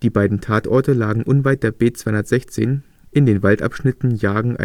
beiden Tatorte lagen unweit der B 216 in den Waldabschnitten Jagen